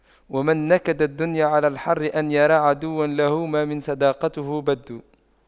ومن نكد الدنيا على الحر أن يرى عدوا له ما من صداقته بد